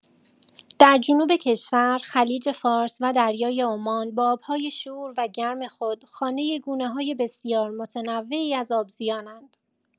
در جنوب کشور، خلیج‌فارس و دریای عمان با آب‌های شور و گرم خود خانه گونه‌های بسیار متنوعی از آبزیانند.